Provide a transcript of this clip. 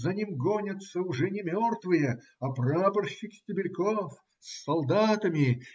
за ним гонятся уже не мертвые, а прапорщик Стебельков с солдатами.